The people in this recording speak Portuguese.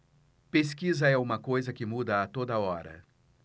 pesquisa é uma coisa que muda a toda hora